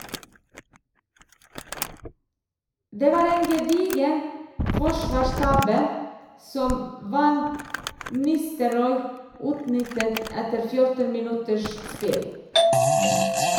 Det var en gedigen forsvarstabbe, som Van Nistelrooy utnyttet etter 14 minutters spill.